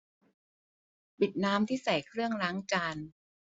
ปิดน้ำที่ใส่เครื่องล้างจาน